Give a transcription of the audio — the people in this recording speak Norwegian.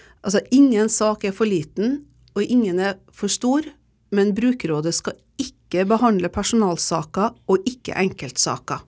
altså ingen sak er for liten og ingen er for stor, men brukerrådet skal ikke behandle personalsaker og ikke enkeltsaker.